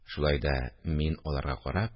Шулай да мин, аларга карап